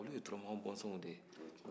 olu ye turamakan bɔnsɔnw de ye